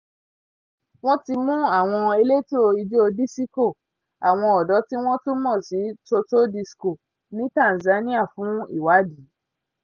Wọ́n ti mú àwọn elétò ijó dísíkò àwọn ọ̀dọ́ tí wọ́n tún mọ̀ sí "Toto disco" ní Tanzania fún ìwádìí.